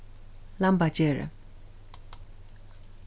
lambagerði